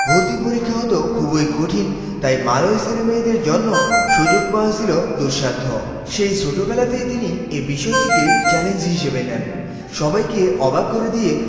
ভর্তি পরীক্ষা হত খুবই কঠিন তাই মালয় ছেলেমেয়েদের জন্য সুযোগ পাওয়া ছিল দুঃসাধ্য সেই ছোটবেলাতেই তিনি এ বিষয়টিকে চ্যালেঞ্জ হিসেবে নেন সবাইকে অবাক করে দিয়ে